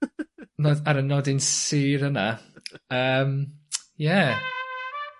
Nodd- ar y nodyn sur yna yym yym ie.